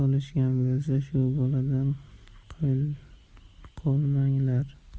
bo'lsa shu boladan qolmanglar